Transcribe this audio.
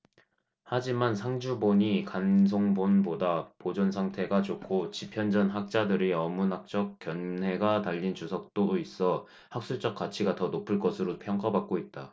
하지만 상주본이 간송본보다 보존 상태가 좋고 집현전 학자들의 어문학적 견해가 달린 주석도 있어 학술적 가치가 더 높을 것으로 평가받고 있다